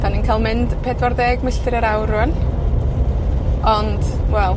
'Dan ni'n ca'l mynd pedwar deg milltir yr awr rŵan. Ond, wel,